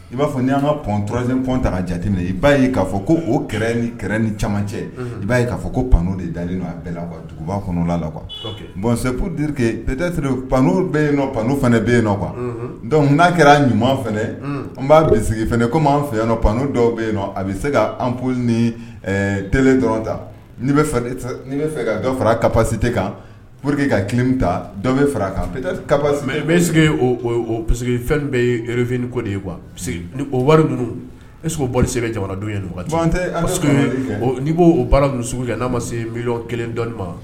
I b'a fɔ' y'an ka pan dɔrɔne kɔnɔnta jateminɛ i b baa ye k'a fɔ o ni kɛ ni caman cɛ i b'a ye k'a fɔ ko panan de da a bɛ la dugu' kɔnɔ la la bɔnp p pan bɛ yen nɔ panu fana bɛ yen nɔ qu dɔnkuc n'a kɛra ɲuman n b'a ko' an fɛ yan pan' dɔw bɛ yen nɔ a bɛ se ka anp ni t dɔrɔn ta fara ka pasite kan pour que ka kelen ta dɔw bɛ fara kan psi fɛn bɛ rfin ko de ye kuwa o waridu eolise ka jamanadenw ye tɛ n' b'o baara sugu kɛ n'a ma se mi kelen dɔnni ma